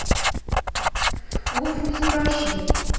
гуф не спрашивай